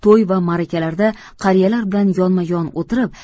to'y va ma'rakalarda qariyalar bilan yonma yon o'tirib